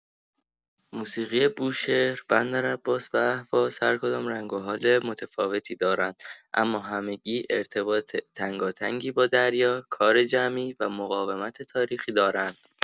موسیقی بوشهر، بندرعباس و اهواز هرکدام رنگ و حال متفاوتی دارند اما همگی ارتباط تنگاتنگی با دریا، کار جمعی و مقاومت تاریخی دارند.